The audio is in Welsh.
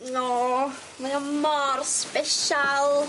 O! Mae o mor sbesial.